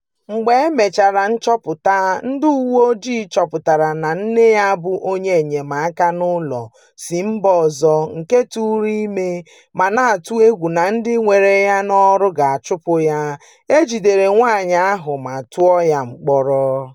Mgbe emechara nchọpụta, ndị uwe ojii chọpụtara na nne ya bụ onye enyemaka n'ụlọ si mba ọzọ nke tụụrụ ime ma na-atụ egwu na ndị were ya n'ọrụ ga-achụpụ ya. E jidere nwaanyị ahụ ma tụọ ya mkpọrọ.